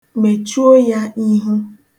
Mechuo ya ihu.